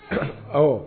Ɔ